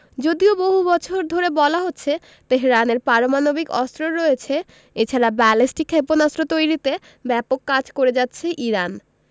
যদিও বহু বছর ধরে বলা হচ্ছে তেহরানের পারমাণবিক অস্ত্র রয়েছে এ ছাড়া ব্যালিস্টিক ক্ষেপণাস্ত্র তৈরিতে ব্যাপক কাজ করে যাচ্ছে ইরান